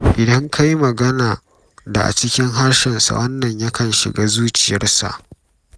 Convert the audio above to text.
Idan ka yi magana da a cikin harshensa wannan yakan shiga zuciyarsa.”